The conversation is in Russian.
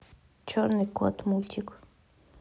черный кот мультик